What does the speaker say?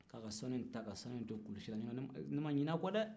k'a ka sanu in ka don kulusi la n'otɛ ne ma ɲin'a kɔ dɛ